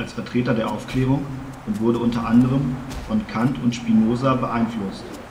Vertreter der Aufklärung und wurde unter anderem von Kant und Spinoza beeinflusst